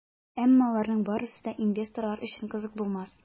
Әмма аларның барысы да инвесторлар өчен кызык булмас.